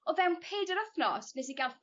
o fewn peder wthnos nes i ga'l